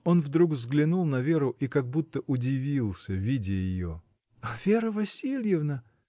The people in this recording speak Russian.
Он вдруг взглянул на Веру и как будто удивился, видя ее. — Вера Васильевна!